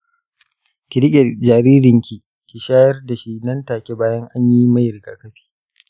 ki riƙe jaririn ki, ki shayar da shi nan take bayan anyi mai rigakafi .